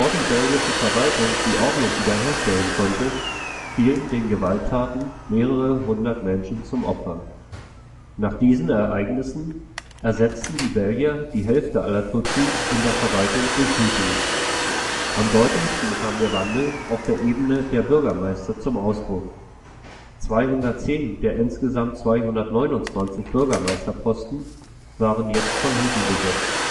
die belgische Verwaltung die Ordnung wieder herstellen konnte, fielen den Gewalttaten mehrere Hundert Menschen zum Opfer. Nach diesen Ereignissen ersetzten die Belgier die Hälfte aller Tutsi in der Verwaltung durch Hutu. Am deutlichsten kam der Wandel auf der Ebene der Bürgermeister zum Ausdruck. 210 der insgesamt 229 Bürgermeisterposten waren jetzt von Hutu besetzt